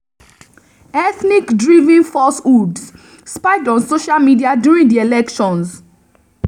Ethnic driven falsehoods spiked on social media during the elections